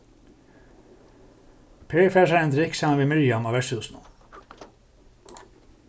per fær sær ein drykk saman við mirjam á vertshúsinum